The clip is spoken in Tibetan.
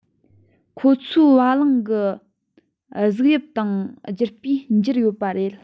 ཁོ ཚོའི བ གླང གི གཟུགས དབྱིབས དང རྒྱུ སྤུས བསྒྱུར ཡོད པ རེད